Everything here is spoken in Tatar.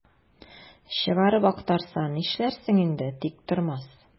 Чыгарып актарса, нишләрсең инде, Тиктормас?